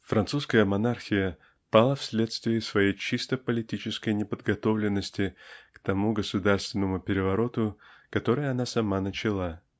Французская монархия пала вследствие своей чисто политической неподготовленности к тому государственному перевороту который она сама начала.